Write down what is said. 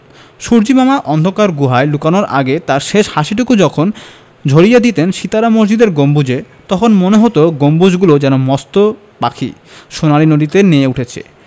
সূর্য্যিমামা অন্ধকার গুহায় লুকানোর আগে তাঁর শেষ হাসিটুকু যখন ঝরিয়ে দিতেন সিতারা মসজিদের গম্বুজে তখন মনে হতো গম্বুজগুলো যেন মস্ত পাখি সোনালি নদীতে নেয়ে উঠেছে